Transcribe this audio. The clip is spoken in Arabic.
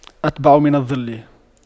أتبع من الظل